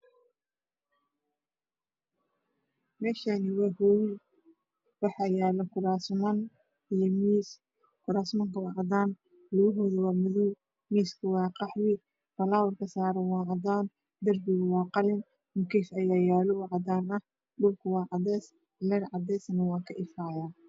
Meshani waa hool waxa yaalo koraasman iyo miis korasmnka waa cadan lugohoda waa madow miiska waa qaxwe falawerka saaran waa cadaan darbiga waa qalin mukeef aya yaalo o cadan ah dhulka waa cadees leer cades aya ka ifaayo